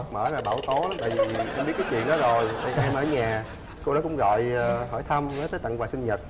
mở ra bão tố lắm tại vì em biết cái chuyện đó rồi với cả em ở nhà cô đó cũng gọi hỏi thăm nói tới tặng quà sinh nhật